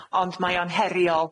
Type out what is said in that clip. Ond mae o'n heriol